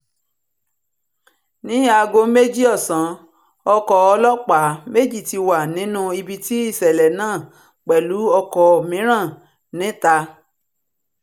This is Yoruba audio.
Ní aago méjì ọ̀sán ọkọ̀ ọlọ́ọ̀pá méji ti wà nínú ibití ìṣẹlẹ náà pẹ̀lú ọkọ̀ mìíràn ní ìta.